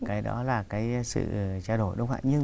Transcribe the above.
cái đó là cái sự trao đổi đúng không ạ nhưng